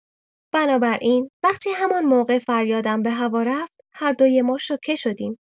بنابراین وقتی همان موقع فریادم به هوا رفت، هر دوی ما شوکه شدیم.